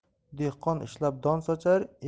dehqon ishlab don sochar